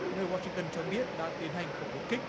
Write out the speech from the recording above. nơi goa sinh tơn cho biết đã tiến hành cuộc đột kích